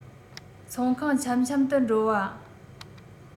ཚོང ཁང འཆམ འཆམ དུ འགྲོ བ